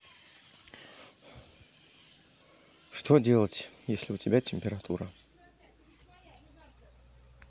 что делать если у тебя температура